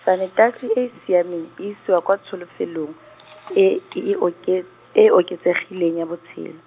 sanetasi e siameng, e isiwa kwa tsholofelong e, e e oke- e oketsegileng ya botshelo.